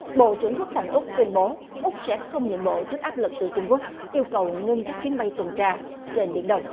bộ trưởng quốc phòng úc tuyên bố úc sẽ không nhượng bộ trước áp lực từ trung quốc yêu cầu ngưng các chuyến bay tuần tra trên biển đông